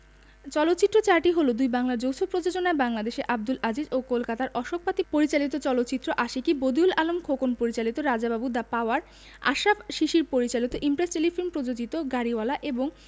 চলচ্চিত্র চারটি হলো দুই বাংলার যৌথ প্রযোজনায় বাংলাদেশের আবদুল আজিজ ও কলকাতার অশোক পাতি পরিচালিত চলচ্চিত্র আশিকী বদিউল আলম খোকন পরিচালিত রাজা বাবু দ্যা পাওয়ার আশরাফ শিশির পরিচালিত ইমপ্রেস টেলিফিল্ম প্রযোজিত গাড়িওয়ালা এবং